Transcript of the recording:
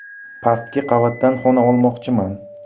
pastki qavatdan xona olmoqchiman